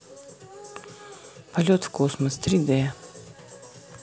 полет в космос три д